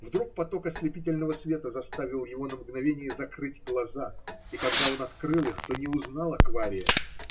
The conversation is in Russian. Вдруг поток ослепительного света заставил его на мгновение закрыть глаза, и когда он открыл их, то не узнал аквария.